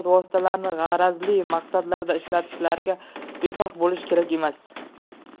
vositalarini g'arazli maqsadlarda ishlatishlariga befarq bo'lish kerak emas